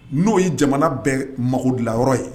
N'o ye jamana bɛɛ mago layɔrɔ ye